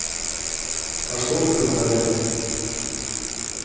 а что в краснодаре